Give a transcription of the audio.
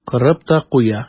Корып та куя.